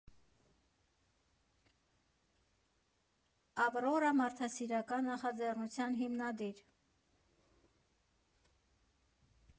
«Ավրորա» մարդասիրական նախաձեռնության համահիմնադիր։